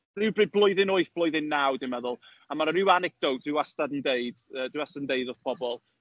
Rywbryd blwyddyn wyth, blwyddyn naw, dwi'n meddwl. A ma' 'na ryw anecdote dwi wastad yn deud, yy, dwi wastad yn deud wrth pobl.